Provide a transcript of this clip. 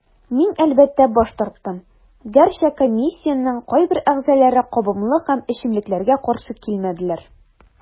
Мин, әлбәттә, баш тарттым, гәрчә комиссиянең кайбер әгъзаләре кабымлык һәм эчемлекләргә каршы килмәделәр.